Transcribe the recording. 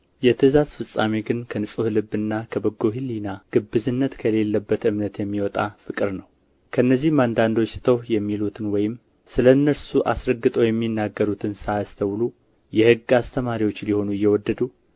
የትእዛዝ ፍጻሜ ግን ከንጹሕ ልብና ከበጎ ሕሊና ግብዝነትም ከሌለበት እምነት የሚወጣ ፍቅር ነው ከእነዚህም አንዳንዶች ስተው የሚሉትን ወይም ስለ እነርሱ አስረግጠው የሚናገሩትን ሳያስተውሉ የሕግ አስተማሪዎች ሊሆኑ እየወደዱ